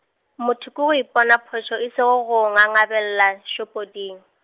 motho ko ipona phošo, e sego go ngangabela, šopoding.